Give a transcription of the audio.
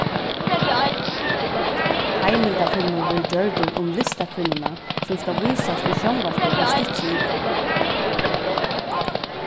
heimildarfilmur verður gjørdur um listakvinnuna sum skal vísast í sjónvarpi í styttri útgávu